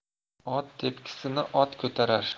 ot tepkisini ot ko'tarar